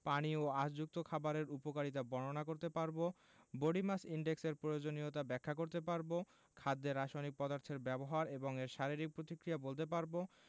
পানি ও আশযুক্ত খাবারের উপকারিতা বর্ণনা করতে পারব বডি মাস ইনডেক্স এর প্রয়োজনীয়তা ব্যাখ্যা করতে পারব খাদ্যে রাসায়নিক পদার্থের ব্যবহার এবং এর শারীরিক প্রতিক্রিয়া বলতে পারব